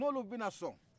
n'olu bɛna sɔn